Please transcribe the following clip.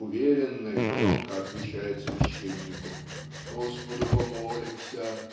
уверенно и громко отвечает священнику "Господу помолимся!